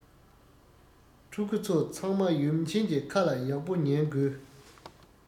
ཕྲུ གུ ཚོ ཚང མ ཡུམ ཆེན གྱི ཁ ལ ཡག པོ ཉན དགོས